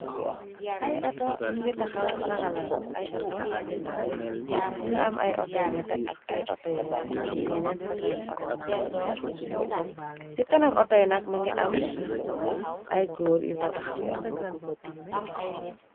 Ay auto nungi tahaw rangalantè, ay auto yu ndaw nungi am ay auto yu nètè ak ay auto yu ndaw ak yenen fasungi auto. Ci kanam auto yi nak mungi am ay gòor yu fa tahaw.